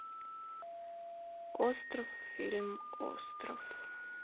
остров фильм остров